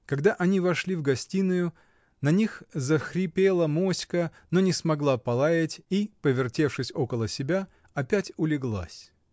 Когда они вошли в гостиную, на них захрипела моська, но не смогла полаять и, повертевшись около себя, опять улеглась.